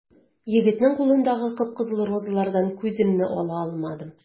Егетнең кулындагы кып-кызыл розалардан күземне ала алмадым.